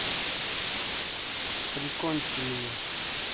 прикончи меня